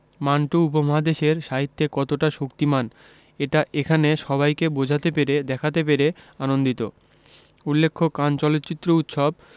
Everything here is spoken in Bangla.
মান্টো উপমহাদেশের সাহিত্যে কতটা শক্তিমান এটা এখানে সবাইকে বোঝাতে পেরে দেখাতে পেরে আনন্দিত উল্লেখ্য কান চলচ্চিত্র উৎসব